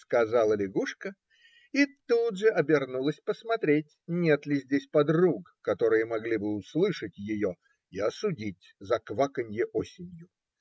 - сказала лягушка и тут же обернулась посмотреть, нет ли здесь подруг, которые могли бы услышать ее и осудить за кваканье осенью.